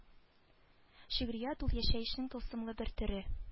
Шигърият ул яшәешнең тылсымлы бер төре